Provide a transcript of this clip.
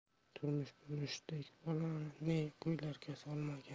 turmush bu mushtdek bolani ne ko'ylarga solmagan